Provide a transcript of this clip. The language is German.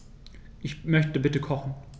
Ich möchte bitte kochen.